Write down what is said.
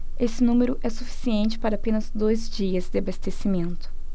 esse número é suficiente para apenas dois dias de abastecimento